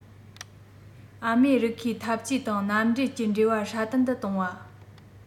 ཨ མེ རི ཁའི འཐབ ཇུས དང མནའ འབྲེལ གྱི འབྲེལ བ སྲ བརྟན དུ གཏོང བ